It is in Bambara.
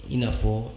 I'afɔ